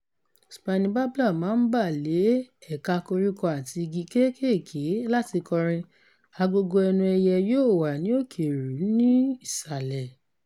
Spiny Babbler máa ń bà lé ẹ̀ka koríko àti igi kéékèèké láti kọrin, àgógó ẹnu ẹyẹ yóò wà ní òkè irú ní ìsàlẹ̀.